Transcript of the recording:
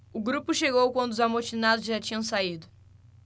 o grupo chegou quando os amotinados já tinham saído